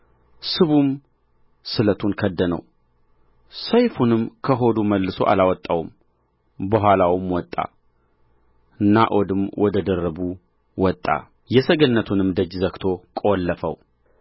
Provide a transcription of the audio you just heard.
ስቡም ስለቱን ከደነው ሰይፉንም ከሆዱ መልሶ አላወጣውም በኋላውም ወጣ ናዖድም ወደ ደርቡ ወጣ የሰገነቱንም ደጅ ዘግቶ ቈለፈው